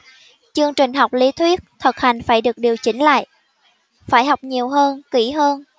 chương trình học lý thuyết thực hành phải được điều chỉnh lại phải học nhiều hơn kỹ hơn